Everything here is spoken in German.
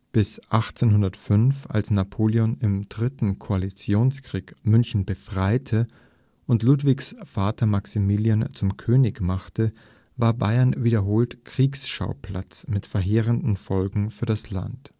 Bis 1805, als Napoleon im dritten Koalitionskrieg München „ befreite “und Ludwigs Vater Maximilian zum König machte, war Bayern wiederholt Kriegsschauplatz mit verheerenden Folgen für das Land